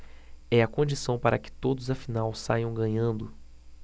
é a condição para que todos afinal saiam ganhando